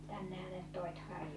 tännehän ne toivat Harjuun